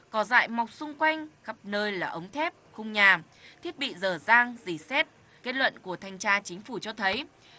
cỏ dại mọc xung quanh khắp nơi là ống thép cùng nhàm thiết bị dở dang rỉ sét kết luận của thanh tra chính phủ cho thấy